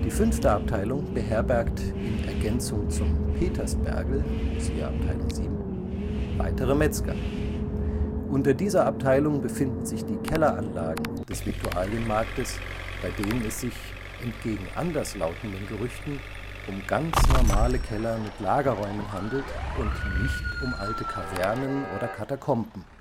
fünfte Abteilung beherbergt in Ergänzung zum Petersbergl (siehe Abt. VII) weitere Metzger. Unter dieser Abteilung befinden sich die Kelleranlagen des Viktualienmarktes, bei denen es sich, entgegen anders lautenden Gerüchten, um ganz normale Keller mit Lagerräumen handelt und nicht um alte Kavernen oder Katakomben